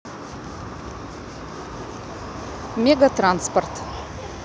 мегатранспорт